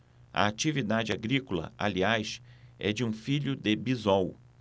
a atividade agrícola aliás é de um filho de bisol